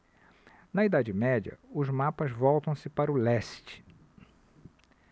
na idade média os mapas voltam-se para o leste